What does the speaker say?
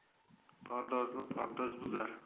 pardozni pardoz buzar